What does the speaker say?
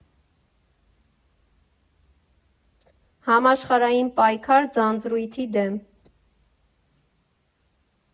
Համաշխարհային պայքար ձանձրույթի դեմ։